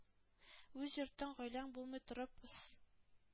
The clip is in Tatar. – үз йортың, гаиләң булмый торып, с